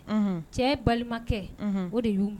Cɛ balimakɛ. Unhun O de yu